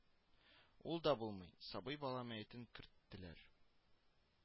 Ул да булмады, сабый бала мәетен керттеләр